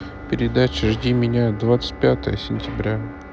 передача жди меня двадцать пятое сентября